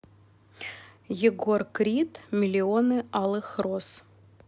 егор крид миллионы алых роз